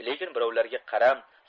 lekin birovlarga qaram